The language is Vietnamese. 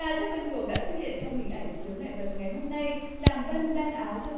rất quen thuộc đã xuất hiện trong hình ảnh của chướng ngại vật ngày hôm nay nàng bân đan áo cho